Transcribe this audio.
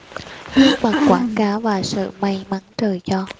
gương mặt quảng cáo và sự may mắn trời cho